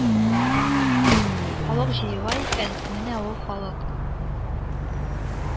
Халык җыела икән, менә ул халык